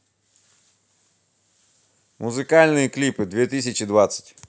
музыкальные клипы две тысячи двадцать